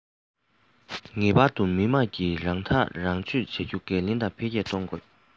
ངེས པར དུ མི དམངས ཀྱིས རང ཐག རང གཅོད བྱ རྒྱུ འགན ལེན དང འཕེལ རྒྱས གཏོང དགོས